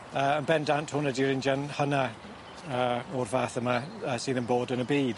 Yy yn bendant hwn ydi'r injan hynna yy o'r fath yma yy sydd yn bod yn y byd.